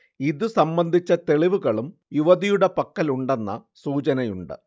ഇത് സംബന്ധിച്ച തെളിവുകളും യുവതിയുടെ പക്കലുണ്ടെന്ന സൂചനയുണ്ട്